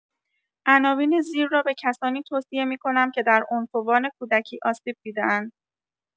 عناوین زیر را به کسانی توصیه می‌کنم که در عنفوان کودکی آسیب دیده‌اند.